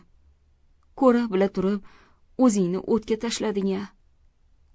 ko'ra bila turib o'zingni o'tga tashlading a